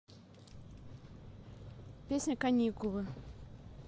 песня каникулы